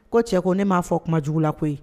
Ko cɛ ko ne ma fɔ kuma jugu la koyi.